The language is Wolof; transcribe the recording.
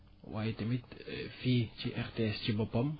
waaye tamit fii ci RTS ci boppam